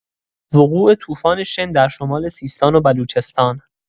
وقوع توفان شن در شمال سیستان و بلوچستان